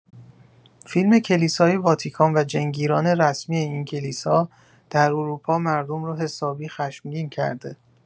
فیلم کلیسای واتیکان و جن‌گیران رسمی این کلیسا در اروپا مردم رو حسابی خشمگین کرده